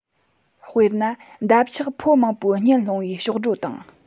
དཔེར ན འདབ ཆགས ཕོ མང པོའི གཉེན སློང བའི གཤོག སྒྲོ དང